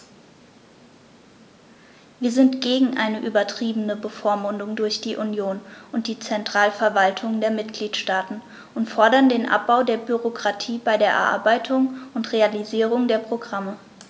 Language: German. Wir sind gegen eine übertriebene Bevormundung durch die Union und die Zentralverwaltungen der Mitgliedstaaten und fordern den Abbau der Bürokratie bei der Erarbeitung und Realisierung der Programme.